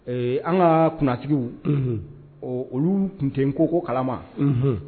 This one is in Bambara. Ɛɛ, an ka kunnatigiw , unhun, olu tun tɛ nko ko kalama, unhun.